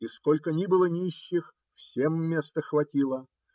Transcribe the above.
И сколько ни было нищих, всем места хватило.